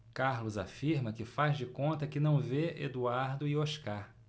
carlos afirma que faz de conta que não vê eduardo e oscar